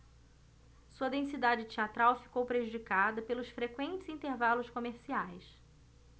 sua densidade teatral ficou prejudicada pelos frequentes intervalos comerciais